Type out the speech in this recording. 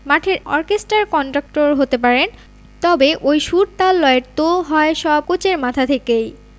মাঠের অর্কেস্ট্রার কন্ডাক্টর হতে পারেন তবে ওই সুর তাল লয়ের তো হয় সব কোচের মাথা থেকেই